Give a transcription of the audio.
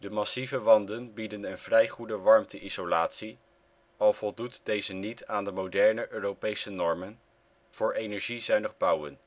massieve wanden bieden een vrij goede warmte-isolatie, al voldoet deze niet aan de moderne Europese normen voor energiezuinig bouwen